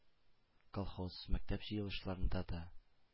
Колхоз, мәктәп җыелышларында да,